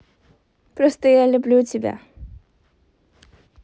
просто я люблю тебя